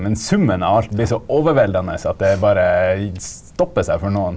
men summen av alt blir så overveldende at det bare stopper seg for noen.